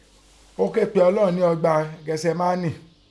Ọ́ képẹ́ Ọlọ́un nẹ́́ ọgbà Gẹtisémánì.